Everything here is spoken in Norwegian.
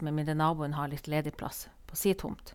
Med mindre naboen har litt ledig plass på si tomt.